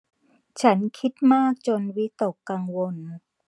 ฉันคิดมากจนวิตกกังวล